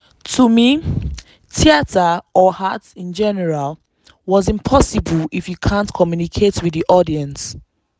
To me, theater, or art in general, was impossible if you can’t communicate with the audience.